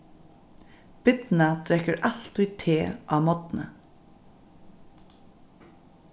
birna drekkur altíð te á morgni